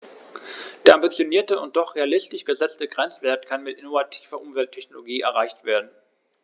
Der ambitionierte und doch realistisch gesetzte Grenzwert kann mit innovativer Umwelttechnologie erreicht werden.